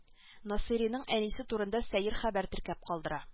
Насыйриның әнисе турында сәер хәбәр теркәп калдыра